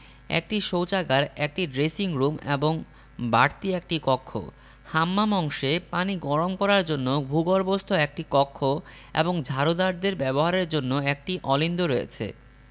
একটি শৌচাগার একটি ড্রেসিং রুম এবং বাড়তি একটি কক্ষ হাম্মাম অংশে পানি গরম করার জন্য ভূগর্ভস্থ একটি কক্ষ এবং ঝাড়ুদারদের ব্যবহারের জন্য একটি অলিন্দ রয়েছে